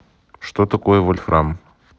что такое вольфрам